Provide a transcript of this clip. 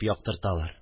Яктырталар